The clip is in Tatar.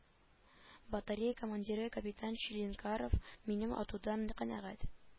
Батарея командиры капитан чилинкаров минем атудан канәгать